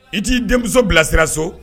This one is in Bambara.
I t'i denmuso bilasira so